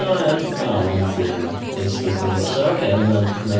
O iawn. Dim ond un instance dwi gwbod. So oce mae hwnna'n...